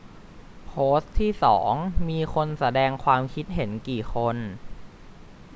โพสต์ที่สองมีคนแสดงความคิดเห็นกี่คน